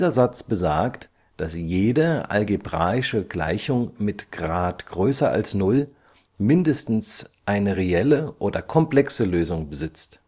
Satz besagt, dass jede algebraische Gleichung mit Grad größer als null mindestens eine reelle oder komplexe Lösung besitzt